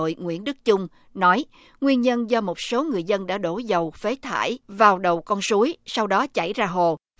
nội nguyễn đức chung nói nguyên nhân do một số người dân đã đổ dầu phế thải vào đầu con suối sau đó chảy ra hồ